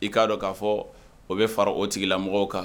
I k'a dɔn k'a fɔ o bɛ fara o tigila mɔgɔw kan